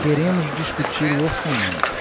queremos discutir o orçamento